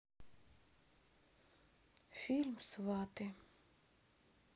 фильм сваты